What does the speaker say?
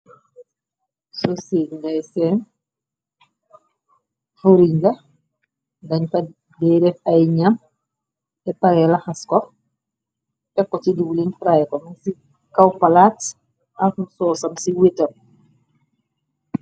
sosi ngay seen juringa dañ fagéereef ay ñam teparelaxaskox fekko ci duwling prykon ci kawpalaat ak soosam ci wëtop